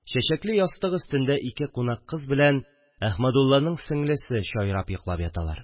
Чәчәкле ястык өстендә ике кунак кыз белән Әхмәдулланың сеңлесе чайрап йоклап яталар